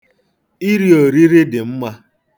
Iri oriri dị mma.